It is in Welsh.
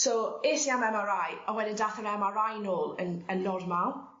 So es i am Em Are Eye a wedyn dath yr Em Are Eye nôl yn yn normal.